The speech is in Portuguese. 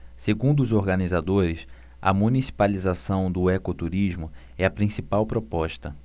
segundo os organizadores a municipalização do ecoturismo é a principal proposta